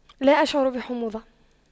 لا أشعر بحموضة